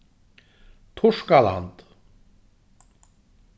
turkaland